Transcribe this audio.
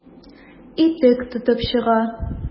Итек тотып чыга.